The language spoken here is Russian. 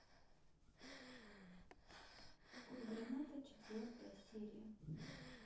вкус граната четвертая серия